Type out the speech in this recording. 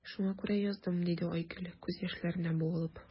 Шуңа күрә яздым,– диде Айгөл, күз яшьләренә буылып.